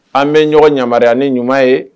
An bɛ ɲɔgɔn yamaruya ni ɲuman ye